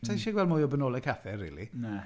Sa i isie gweld mwy o benolau cathau rili... Na.